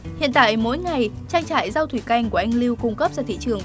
hiện tại mỗi ngày trang trại rau thủy canh của anh lưu cung cấp ra thị trường